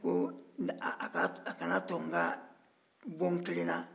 ko a ka n'a to n ka bɔ n kelen na